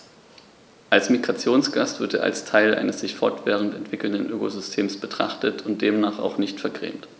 Als Migrationsgast wird er als Teil eines sich fortwährend entwickelnden Ökosystems betrachtet und demnach auch nicht vergrämt.